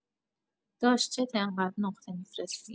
داش چته اینقد نقطه می‌فرستی؟